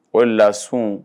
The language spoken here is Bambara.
O la sun